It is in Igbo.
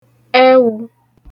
ẹwū